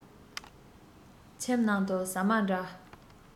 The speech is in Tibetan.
ཁྱིམ ནང དུ ཟ མ འདྲ